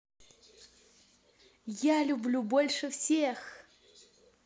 я люблю больше всех